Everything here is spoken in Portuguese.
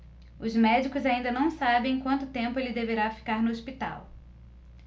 os médicos ainda não sabem quanto tempo ele deverá ficar no hospital